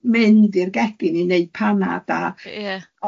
mynd i'r gegin i neud panad a